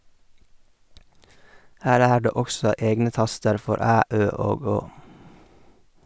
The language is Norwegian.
Her er det også egne taster for æ, ø og å.